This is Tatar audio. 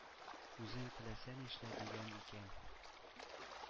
Үзең теләсә нишлә, дигән икән,